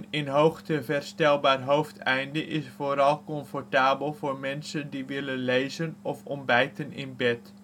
in hoogte verstelbaar hoofdeinde is vooral comfortabel voor mensen die willen lezen of ontbijten in bed